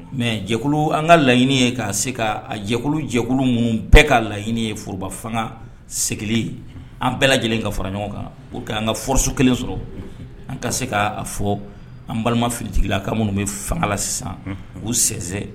Mɛ jɛkulu an ka laɲiniini ye k' se ka jɛkulu jɛkulu minnu bɛɛ ka laɲiniini ye foroba fanga seg an bɛɛ lajɛlen ka fara ɲɔgɔn kan an ka forooroso kelen sɔrɔ an ka se k' fɔ an balima fijla' minnu bɛ fangala sisan u'u sɛsɛn